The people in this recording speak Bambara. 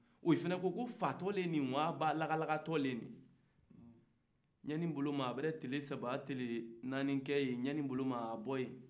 olu fana ko k'o fatɔ de ye nin ye wa lakalakatɔ de ye nin ye ɲani boloma na ye tile saba tile nani kɛ yen ɲani bloma a bɛ bɔ yen